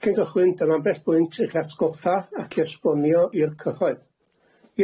Cyn cychwyn dyma ambell bwynt i'ch atgoffa ac esbonio i'r cyhoedd.